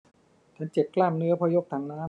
ฉันเจ็บกล้ามเนื้อเพราะยกถังน้ำ